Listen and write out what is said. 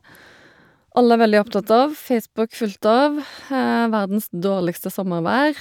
Alle er veldig opptatt av, Facebook fullt av, verdens dårligste sommervær.